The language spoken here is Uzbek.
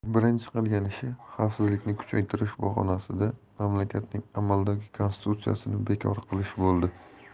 birinchi qilgan ishi xavfsizlikni kuchaytirish bahonasida mamlakatning amaldagi konstitutsiyasini bekor qilish bo'ldi